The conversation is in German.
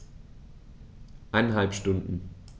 Eineinhalb Stunden